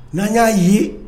N'an y'a ye